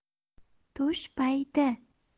tush payti